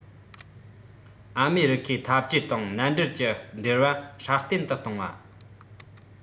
ཨ མེ རི ཁའི འཐབ ཇུས དང མནའ འབྲེལ གྱི འབྲེལ བ སྲ བརྟན དུ གཏོང བ